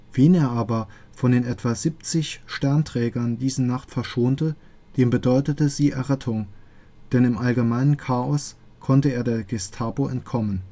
wen er aber von den etwa 70 Sternträgern diese Nacht verschonte, dem bedeutete sie Errettung, denn im allgemeinen Chaos konnte er der Gestapo entkommen